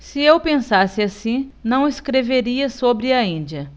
se eu pensasse assim não escreveria sobre a índia